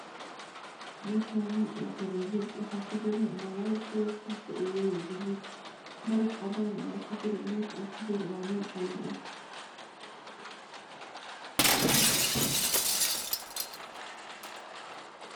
Meeshaan waa talaajad waxaa kujiro malaay kalarkiisu uu yahay gaduud iyo baraf cadaan ah. Meesha uu kujiro waa meel qalin ah.